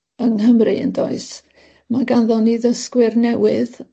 yng Nghymru yndoes? Ma' ganddon ni ddysgwyr newydd